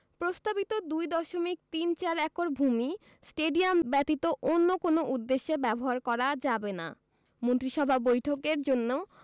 প্রস্তাবিত ২ দশমিক তিন চার একর ভূমি স্টেডিয়াম ব্যতীত অন্য কোনো উদ্দেশ্যে ব্যবহার করা যাবে না মন্ত্রিসভা বৈঠকের জন্য